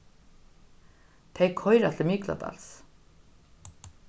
tey koyra til mikladals